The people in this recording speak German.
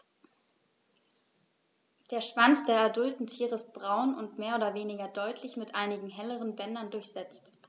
Der Schwanz der adulten Tiere ist braun und mehr oder weniger deutlich mit einigen helleren Bändern durchsetzt.